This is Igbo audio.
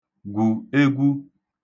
gwù egwu